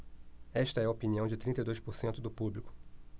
esta é a opinião de trinta e dois por cento do público